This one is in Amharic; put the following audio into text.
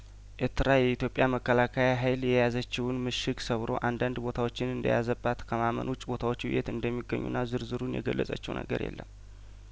ኤትራ የኢትዮጵያ መከላከያ ሀይል የያዘችውን ምሽግ ሰብሮ አንዳንድ ቦታዎችን እንደያዘባት ከማመን ውጭ ቦታዎቹ የት እንደሚገኙና ዝርዝሩን የገለጸችው ነገር የለም